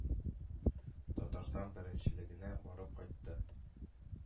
Татарстан беренчелегенә барып кайтты.